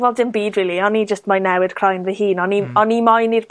Wel dim byd rili o'n i jyst moyn newid croen fy hun o'n i... Hmm. ...o'n i moyn i'r